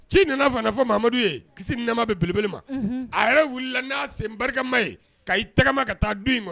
Ci nana fana fɔmadu ye kisi nama bɛelebele ma a yɛrɛ wulila n'a sen barikama ye ka i tagama ka taa di i ma